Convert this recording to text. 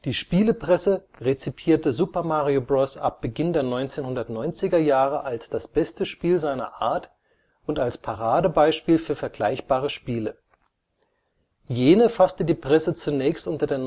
Spielepresse rezipierte Super Mario Bros. ab Beginn der 1990er Jahre als das beste Spiel seiner Art und als Paradebeispiel für vergleichbare Spiele; jene fasste die Presse zunächst unter der